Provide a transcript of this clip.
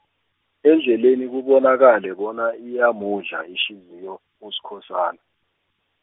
endleleni kubonakale bona iyamudla ihliziyo, Uskhosana.